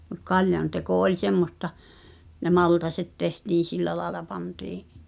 mutta kaljan teko oli semmoista ne maltaat tehtiin sillä lailla pantiin